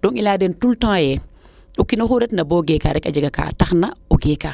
donc i leyaa den tout le temps yee o kiinoxu ret na boo geeka rek a jega kaa tax na o geeka